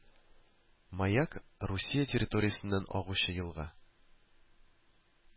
Маяк Русия территориясеннән агучы елга